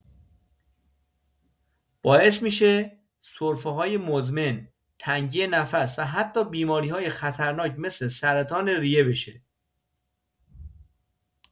باعث می‌شه سرفه‌های مزمن، تنگی نفس و حتی بیماری‌های خطرناک مثل سرطان ریه بشه.